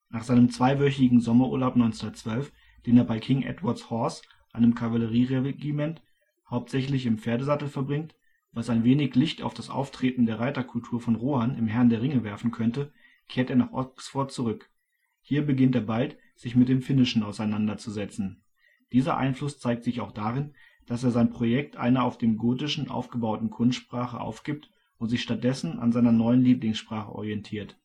Nach seinem zweiwöchigen Sommerurlaub 1912, den er bei King Edward 's Horse, einem Kavallerieregiment, hauptsächlich im Pferdesattel verbringt (was ein wenig Licht auf das Auftreten der Reiterkultur von Rohan im Herrn der Ringe werfen könnte), kehrt er nach Oxford zurück. Hier beginnt er bald, sich mit dem Finnischen auseinanderzusetzen. Dieser Einfluss zeigt sich auch darin, dass er sein Projekt einer auf dem Gotischen aufgebauten Kunstsprache aufgibt und sich stattdessen an seiner neuen Lieblingssprache orientiert